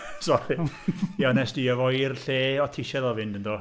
Sori. Ia ond est ti â fo i'r lle o't ti isie fe fynd yndo?